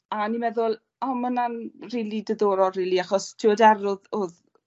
A o'n i meddwl o ma' wwna'n rili diddorol rili achos t'wod er odd odd